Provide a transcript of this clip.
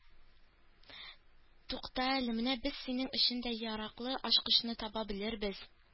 Туктале, менә без синең өчен дә яраклы ачкычны таба белербез